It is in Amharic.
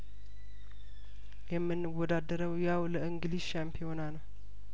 የምንወዳደረው ያው ለእንግሊዝ ሻምፒዮና ነው